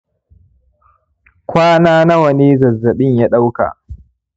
kwana nawa ne zazzaɓin ya ɗauka